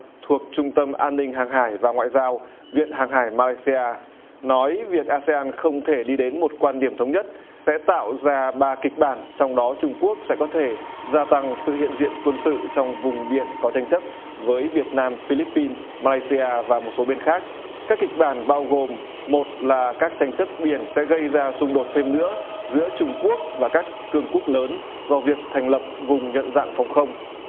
thuộc trung tâm an ninh hàng hải và ngoại giao viện hàng hải ma lây si a nói việc a sê an không thể đi đến một quan điểm thống nhất sẽ tạo ra ba kịch bản trong đó trung quốc sẽ có thể gia tăng sự hiện diện quân sự trong vùng biển có tranh chấp với việt nam phi líp pin ma lây si a và một số bên khác các kịch bản bao gồm một là các tranh chấp biển sẽ gây ra xung đột thêm nữa giữa trung quốc và các cường quốc lớn do việc thành lập vùng nhận dạng phòng không